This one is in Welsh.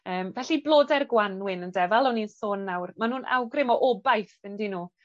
Yym felly blodau'r gwanwyn ynde? Fel o'n i'n sôn nawr ma' nw'n awgrym o obaith yndyn nw?